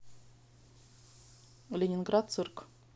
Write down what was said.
ленинград цирк